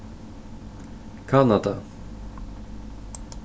kanada